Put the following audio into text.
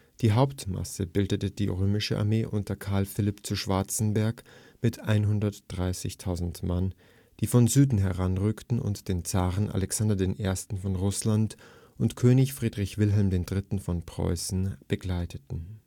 Die Hauptmasse bildete die Böhmische Armee unter Karl Philipp zu Schwarzenberg mit 130.000 Mann, die von Süden heranrückten und den Zaren Alexander I. von Russland und König Friedrich Wilhelm III. von Preußen begleiteten